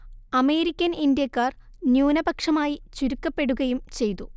American ഇന്ത്യക്കാർ ന്യൂനപക്ഷമായി ചുരുക്കപ്പെടുകയും ചെയ്തു